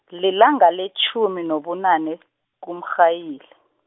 lilanga letjhumi nobunane, kuMrhayili.